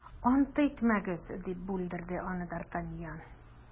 - ант итмәгез, - дип бүлдерде аны д’артаньян.